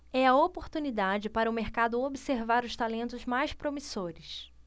é a oportunidade para o mercado observar os talentos mais promissores